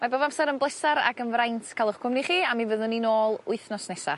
Mae bob amser yn blesar ag yn fraint ca'l 'ch cwmni chi a mi fyddwn ni nôl wythnos nesa.